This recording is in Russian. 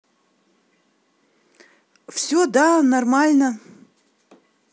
все да нормально